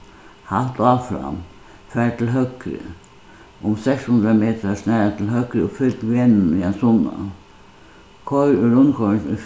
halt áfram far til høgru um seks hundrað metrar snara til høgru og fylg vegnum í ein sunnan koyr úr rundkoyringini í